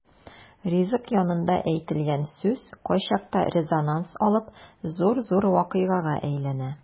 Ризык янында әйтелгән сүз кайчакта резонанс алып зур-зур вакыйгага әйләнә.